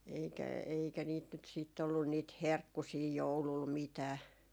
eikä eikä niitä nyt sitten ollut niitä herkkusia joululla mitään